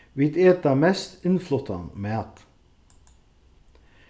vit eta mest innfluttan mat